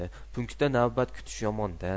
punktda navbat kutish yomon da